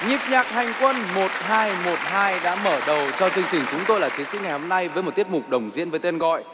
nhịp nhạc hành quân một hai một hai đã mở đầu cho chương trình chúng tôi là chiến sĩ ngày hôm nay với một tiết mục đồng diễn với tên gọi